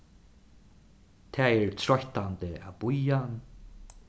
tað er troyttandi at bíða